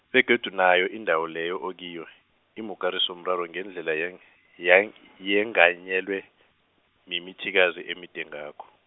begodu nayo indawo leyo okiyo, imikarisomraro ngendlela yeng- yeng- yenganyelwe, mimithikazi emide ngakho.